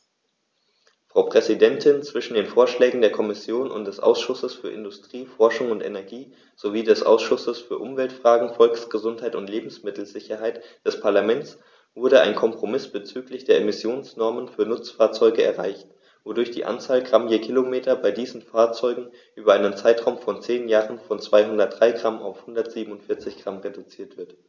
Frau Präsidentin, zwischen den Vorschlägen der Kommission und des Ausschusses für Industrie, Forschung und Energie sowie des Ausschusses für Umweltfragen, Volksgesundheit und Lebensmittelsicherheit des Parlaments wurde ein Kompromiss bezüglich der Emissionsnormen für Nutzfahrzeuge erreicht, wodurch die Anzahl Gramm je Kilometer bei diesen Fahrzeugen über einen Zeitraum von zehn Jahren von 203 g auf 147 g reduziert wird.